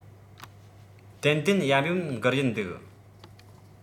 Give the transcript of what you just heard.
ཏན ཏན ཡམ ཡོམ འགུལ བཞིན འདུག